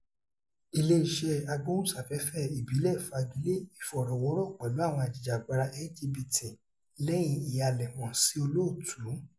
Ilé-iṣẹ́ Agbóhùnsáfẹ́fẹ́ Ìbílẹ̀ Fagilé Ìfọ̀rọ̀wọ́rọ̀ pẹ̀lú àwọn ajìjàǹgbara LGBT lẹ́yìn ìhalẹ̀mọ́ sí olóòtú